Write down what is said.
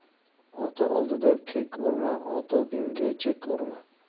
ota oldida kek urma odobingga chek urma